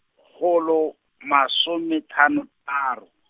kgolo, masome hlano tharo.